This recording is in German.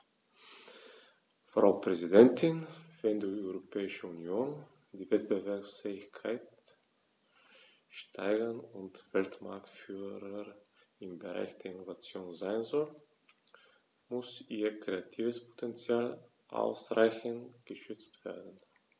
Frau Präsidentin, wenn die Europäische Union die Wettbewerbsfähigkeit steigern und Weltmarktführer im Bereich der Innovation sein soll, muss ihr kreatives Potential ausreichend geschützt werden.